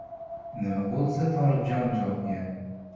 nima bo'lsa tolibjon javobgar